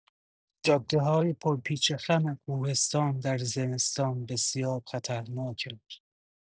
جاده‌های پرپیچ‌وخم کوهستان در زمستان بسیار خطرناک اند.